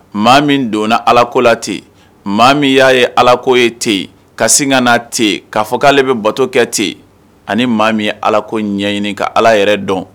Maa min donna alako la ten maa min y'a ye alako ye te yen ka sin ka te k'a fɔ k'ale bɛ bato kɛ ten yen ani maa min ye alako ɲɛɲini ka ala yɛrɛ dɔn